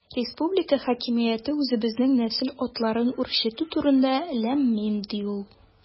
Республика хакимияте үзебезнең нәсел атларын үрчетү турында– ләм-мим, ди ул.